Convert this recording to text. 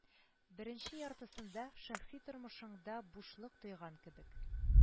Беренче яртысында шәхси тормышыңда бушлык тойган кебек